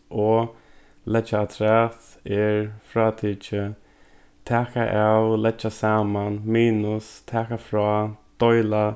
og leggja afturat er frátikið taka av leggja saman minus taka frá deila